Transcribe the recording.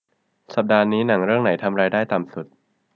สัปดาห์นี้หนังเรื่องไหนทำรายได้ต่ำสุด